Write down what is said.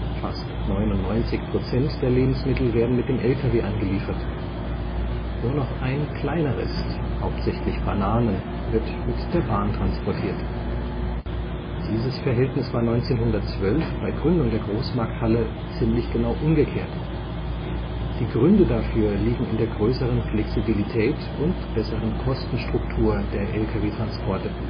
Fast 99 Prozent der Lebensmittel werden mit dem LKW angeliefert. Nur noch ein kleiner Rest (hauptsächlich Bananen) wird mit der Bahn transportiert. Dieses Verhältnis war 1912, bei Gründung der Großmarkthalle, ziemlich genau umgekehrt. Die Gründe dafür liegen in der größeren Flexibilität und besseren Kostenstruktur der LKW-Transporte